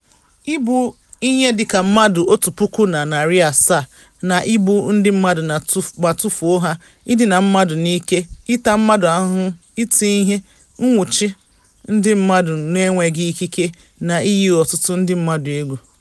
Igbu ihe dịka mmadụ 1,700 na igbu ndị mmadụ ma tufuo ha, idina mmadụ n'ike, ịta mmadụ ahụhụ, iti ihe, nwụchi ndị mmadụ n'enweghị ikike, na iyi ọtụtụ ndị mmadụ egwu.